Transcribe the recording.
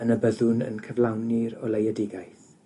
yny byddwn yn cyflawni'r Oleuedigaeth.